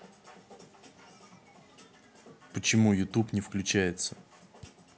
почему youtube не включается